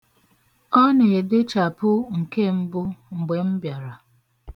Ọ na-edechapụ nke mbụ mgbe m bịara.